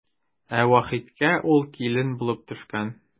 Ә Вахитка ул килен булып төшкән.